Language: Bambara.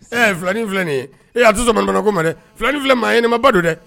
Ɛɛ filanin filɛ nin ye ee a tɛdɔ ko ma dɛɛ filanin filɛ maa ye ne ba don dɛ